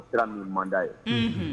Sira min mand'a ye, unhun